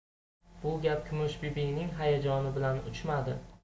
bu gap kumushbibining hayajoni bilan uchmadi